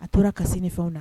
A tora kasi nin fɛnw na